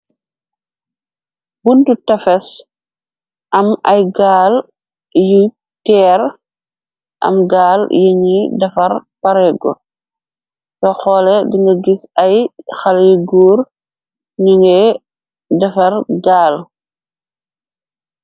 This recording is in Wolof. Buntu tafes am ay gaal yu teer, am gaal yingi defar parehgun. so hoolè dinga gis ay haley goor ñu ngeh defar gaal.